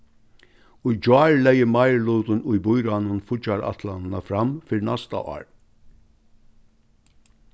í gjár legði meirilutin í býráðnum fíggjarætlanina fram fyri næsta ár